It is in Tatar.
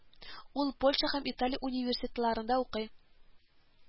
Ул Польша һәм Италия университетларында укый